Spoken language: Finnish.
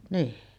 niin